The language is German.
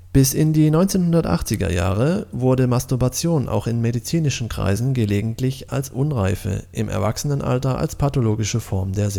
Bis in die 1980er Jahre wurde Masturbation auch in medizinischen Kreisen gelegentlich als unreife, im Erwachsenenalter als pathologische Form der